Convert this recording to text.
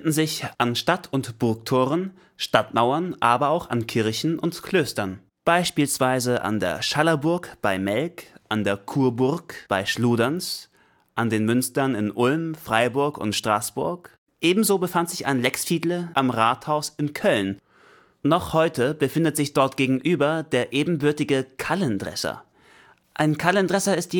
sich an Stadt - und Burgtoren, Stadtmauern, aber auch an Kirchen und Klöstern, beispielsweise an der Schallaburg bei Melk, an der Churburg bei Schluderns, an den Münstern in Ulm, Freiburg im Breisgau und Straßburg, ebenso befand sich eine am Rathaus in Köln, noch heute befindet sich dort gegenüber der ebenbürtige Kallendresser. Sie